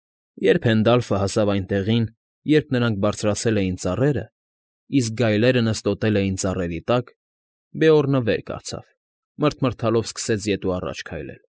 Երբ Հենդալֆը հասավ այն տեղին, երբ նրանք բարձրացել էին ծառերը, իսկ գայլերը նստոտել էին ծառերի տակ, Բեորնը վեր կացավ, մռթմռթալով սկսեց ետ ու առաջ քայլել. ֊